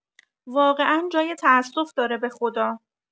واقعا جای تاسف داره بخدا